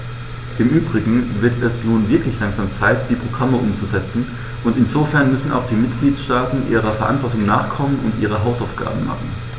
Im übrigen wird es nun wirklich langsam Zeit, die Programme umzusetzen, und insofern müssen auch die Mitgliedstaaten ihrer Verantwortung nachkommen und ihre Hausaufgaben machen.